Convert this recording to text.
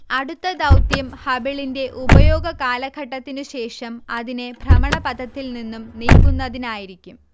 അടുത്ത ദൗത്യം ഹബിളിന്റെ ഉപയോഗ കാലഘട്ടത്തിനു ശേഷം അതിനെ ഭ്രമണപഥത്തിൽ നിന്നും നീക്കുന്നതിനായിരിക്കും